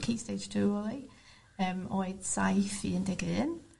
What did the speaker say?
...key stage two oed. Yym oed saith i un deg un.